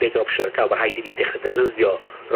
...neud yr opsiwn ar ga'l, ma' rhaid i ni dechra defnyddio yr...